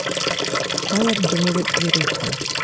Кая дөмегеп йөрисең?